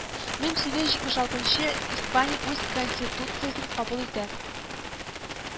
Мең сигез йөз җитмеш алтынчы испания үз конституциясен кабул итә